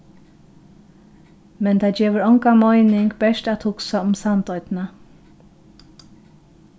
men tað gevur onga meining bert at hugsa um sandoynna